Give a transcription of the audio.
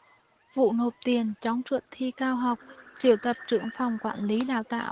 vụ nộp tiền chống trượt thi cao học triệu tập trưởng phòng quản lý đào tạo